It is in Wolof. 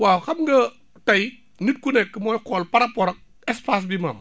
waaw xam nga tey nit ku nekk mooy xool par rapport ak espace bi mu am